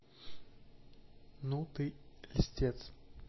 ну ты льстец